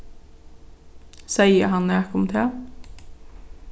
segði hann nakað um tað